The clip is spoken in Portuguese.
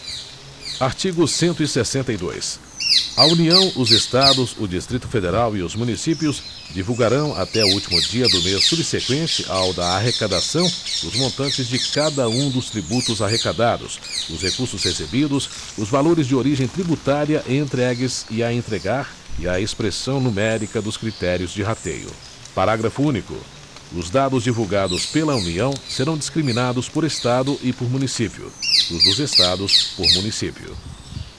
artigo cento e sessenta e dois a união os estados o distrito federal e os municípios divulgarão até o último dia do mês subseqüente ao da arrecadação os montantes de cada um dos tributos arrecadados os recursos recebidos os valores de origem tributária entregues e a entregar e a expressão numérica dos critérios de rateio parágrafo único os dados divulgados pela união serão discriminados por estado e por município os dos estados por município